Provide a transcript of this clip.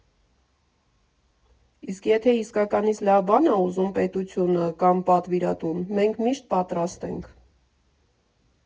Իսկ եթե իսկականից լավ բան ա ուզում պետությունը, կամ պատվիրատուն, մենք միշտ պատրաստ ենք։